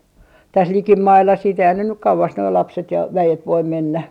tässä likimailla sitten eihän ne nyt kauas nuo lapset ja väet voi mennä